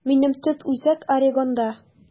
Минем төп үзәк Орегонда.